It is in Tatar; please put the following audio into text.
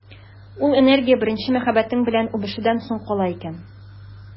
Ул энергия беренче мәхәббәтең белән үбешүдән соң кала икән.